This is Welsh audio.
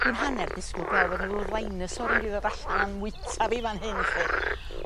Dwi'n hanner disgwl gweld fo' 'na ryw ddinosor yn mynd i ddod allan yna'm mwyta fi fan hyn 'lly!